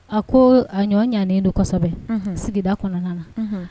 A ko ɲɔ ɲaninen don kosɛbɛ sigida kɔnɔna na